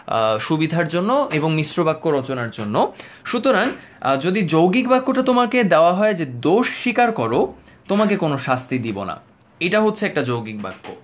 সুবিধার জন্য এবং মিশ্র বাক্য রচনা জন্য সুতরাং যদি যৌগিক বাক্য টা তোমাকে দেওয়া হয় যে দোষ স্বীকার করো তোমাকে কোন শাস্তি দিব না এটা হচ্ছে একটা যৌগিক বাক্য